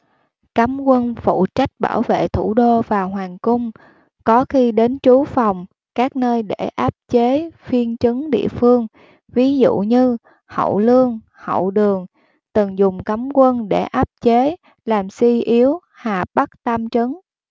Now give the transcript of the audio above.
cấm quân phụ trách bảo vệ thủ đô và hoàng cung có khi đến trú phòng các nơi để áp chế phiên trấn địa phương ví dụ như hậu lương hậu đường từng dùng cấm quân để áp chế làm suy yếu hà bắc tam trấn